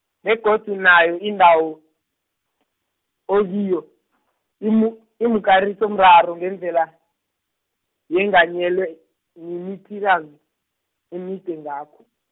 begodu nayo lendawo, okiyo , imu- imikarisomraro, ngendlela, yenganyelwe, mimithikazi, emide ngakho.